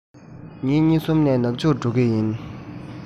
ཉིན གཉིས གསུམ ནས ནག ཆུར འགྲོ གི ཡིན